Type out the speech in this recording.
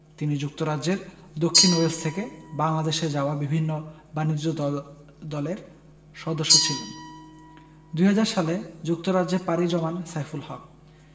তিনি যুক্তরাজ্যের দক্ষিণ ওয়েলস থেকে বাংলাদেশে যাওয়া বিভিন্ন বাণিজ্য দল দলের সদস্য ছিলেন ২০০০ সালে যুক্তরাজ্যে পাড়ি জমান সাইফুল হক